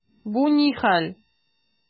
Бу ни хәл!